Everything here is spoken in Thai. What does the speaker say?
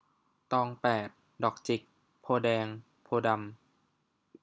ตองแปดดอกจิกโพธิ์แดงโพธิ์ดำ